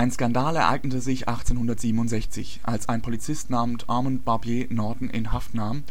Skandal ereignete sich 1867, als ein Polizist namens Armand Barbier Norton in Haft nahm